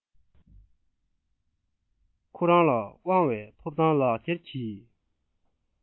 ཁོ རང ལ དབང པའི ཐོབ ཐང ལག འཁྱེར གྱི